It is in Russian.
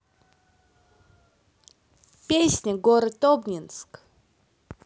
песня город обнинск